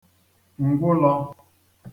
ǹgwụ̀lọ